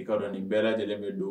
I kaa dɔn nin bɛɛ lajɛlen bɛ don